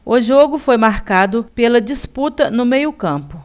o jogo foi marcado pela disputa no meio campo